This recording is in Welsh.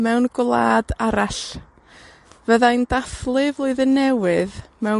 mewn gwlad arall. Fyddai'n dathlu flwyddyn newydd mewn